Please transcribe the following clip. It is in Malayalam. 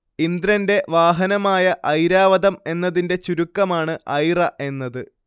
ഇന്ദ്രന്റെ വാഹനമായ ഐരാവതം എന്നതിന്റെ ചുരുക്കമാണ് ഐറ എന്നത്